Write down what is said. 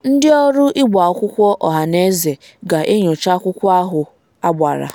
Ndị Ọrụ Ịgba Akwụkwọ Ọhaneze ga-enyocha akwụkwọ ahụ agbara.